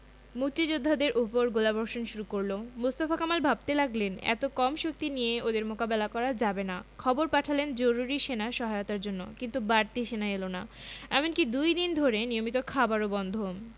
মুক্তিযোদ্ধাদের উপর গোলাবর্ষণ শুরু করল মোস্তফা কামাল ভাবতে লাগলেন এত কম শক্তি নিয়ে ওদের মোকাবিলা করা যাবে না খবর পাঠালেন জরুরি সেনা সহায়তার জন্য কিন্তু বাড়তি সেনা এলো না এমনকি দুই দিন ধরে নিয়মিত খাবারও বন্ধ